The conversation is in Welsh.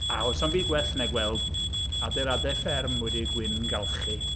A oes 'na'm byd gwell na gweld adeiladau fferm wedi gwyngalchu.